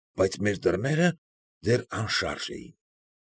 Բայց մեր դռները դեռ անշարժ էին։